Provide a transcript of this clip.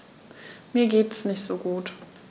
Mir geht es nicht gut.